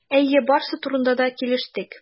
Әйе, барысы турында да килештек.